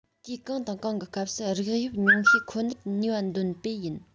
དུས གང དང གང གི སྐབས སུ རིགས དབྱིབས ཉུང ཤས ཁོ ནར ནུས པ འདོན པས ཡིན